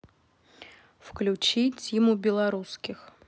включи тиму белорусских